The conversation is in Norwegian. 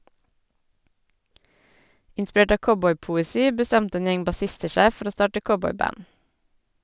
Inspirert av cowboypoesi bestemte en gjeng bassister seg for å starte cowboyband.